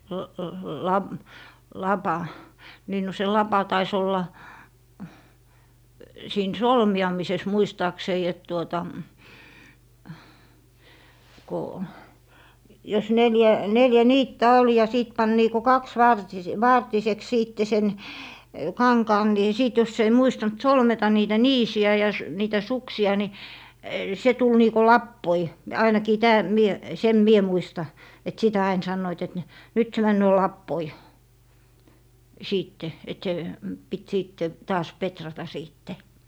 --- lapa niin no se lapa taisi olla siinä solmiamisessa muistaakseni että tuota kun jos neljä neljä niittä oli ja sitten pani niin kuin - kaksivartiseksi sitten sen kankaan niin sitten jos ei muistanut solmita niitä niisiä ja - niitä suksia niin se tuli niin kuin lapoja ainakin - minä sen minä muistan että sitä aina sanoivat että ne nyt se menee lapoihin sitten että se piti sitten taas petrata sitten